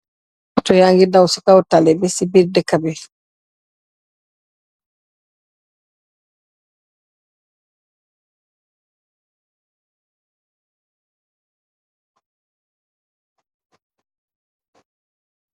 Otto yaangee daw si kow tali bi, si biir déka bi.